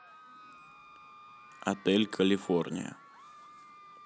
отель калифорния